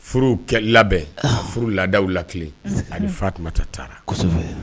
Furu kɛ labɛn furu laadaw lati ani fa tun taa taara